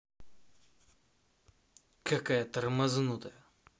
какая тормознутая